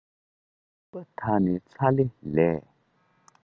ཡུང བ དང ནི ཚ ལེ ལས